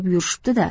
yurishibdi da